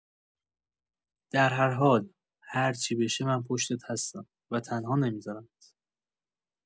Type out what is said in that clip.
در هر حال، هر چی بشه من پشتت هستم و تنها نمی‌ذارمت.